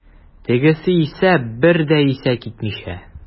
Тегесе исә, бер дә исе китмичә.